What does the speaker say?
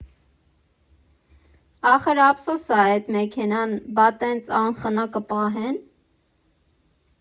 Ախր ափսոս ա է, էտ մեքենան բա տենց անխնա կպահե՞ն։